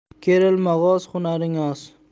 kerilma g'oz hunaring oz